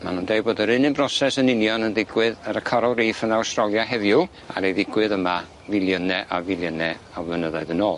Ma' nw'n deu bod yr un un broses yn union yn ddigwydd ar y Coral Reef yn Awstralia heddiw aru ddigwydd yma filiyne a filiyne o flynyddoedd yn ôl.